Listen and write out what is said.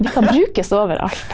vi kan brukes overalt.